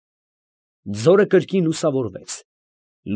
Ձորը կրկին լուսավորվեց։